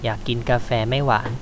อยากกินกาแฟไม่หวาน